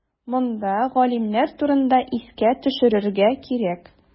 Монда галимнәр турында искә төшерергә кирәк.